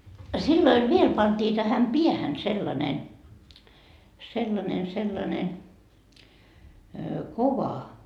silloin vielä pantiin tähän päähän sellainen sellainen sellainen kova